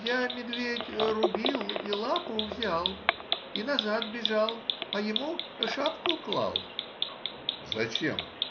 — Я медведь рубил, и лапу взял, и назад бежал, а ему шапку клал. — Зачем?